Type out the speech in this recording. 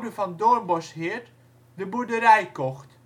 van Doornbosheerd de boerderij kocht